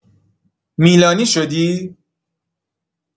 میلانی شدی؟